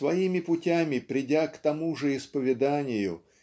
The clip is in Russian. своими путями придя к тому же исповеданию